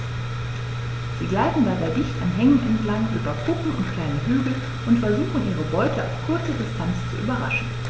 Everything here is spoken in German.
Sie gleiten dabei dicht an Hängen entlang, über Kuppen und kleine Hügel und versuchen ihre Beute auf kurze Distanz zu überraschen.